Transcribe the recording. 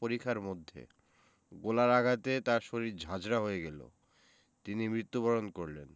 পরিখার মধ্যে গোলার আঘাতে তার শরীর ঝাঁঝরা হয়ে গেল তিনি মৃত্যুবরণ করলেন